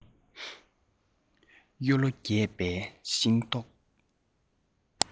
གཡོ ལོ རྒྱས པའི ཤིང ཏོག